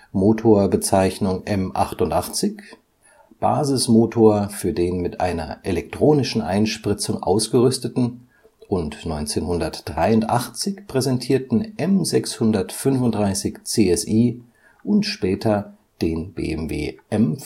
Motorbezeichnung M88, Basismotor für den mit einer elektronischen Einspritzung ausgerüsteten und 1983 präsentierten M 635 CSi und später den BMW M5